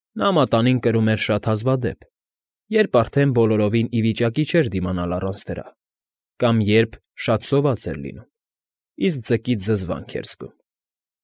Նա մատանին կրում էր շատ հազվադեպ, երբ արդեն բոլորովին ի վիճակի չէր դիմանալ առանց դրա, կամ երբ շատ սոված էր լինում, իսկ ձկից զզվանք էր զգում։